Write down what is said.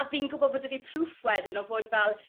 A fi'n gwbod bo' 'dy fi proof wedyn o fod fel